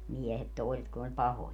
miehet toiset kun oli pahoja